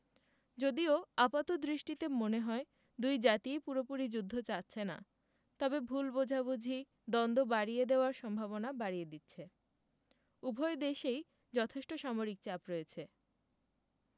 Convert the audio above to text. যদিও আপাতদৃষ্টিতে মনে হয় দুই জাতিই পুরোপুরি যুদ্ধ চাচ্ছে না তবে ভুল বোঝাবুঝি দ্বন্দ্ব বাড়িয়ে দেওয়ার সম্ভাবনা বাড়িয়ে দিচ্ছে উভয় দেশেই যথেষ্ট সামরিক চাপ রয়েছে